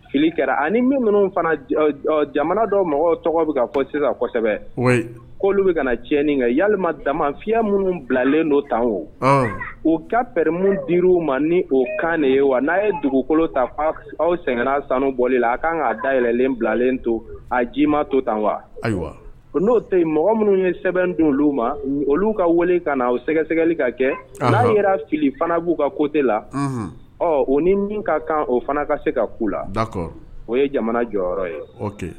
Fili kɛra ani minnu minnu jamana dɔ mɔgɔ tɔgɔ bɛ fɔ kosɛbɛ k'olu bɛ kana tiɲɛni yalilima dama fiya minnu bilalen don tan o o kaɛmu di ma ni o kan de ye wa n'a ye dugukolo ta fa aw sɛgɛnra sanu bɔli la a kan k'a daylen bilalen to a ji ma to tan wa ayiwa n'o tɛ yen mɔgɔ minnu ye sɛbɛn don olu ma olu ka weele kaaw sɛgɛsɛgɛli ka kɛ an yɛrɛ fili fana b'u ka kote la ɔ o ni min ka kan o fana ka se ka ku la o ye jamana jɔyɔrɔ ye